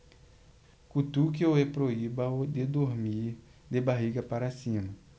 cutuque-o e proíba-o de dormir de barriga para cima